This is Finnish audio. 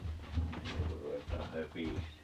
ennen kuin ruvetaan höpisemään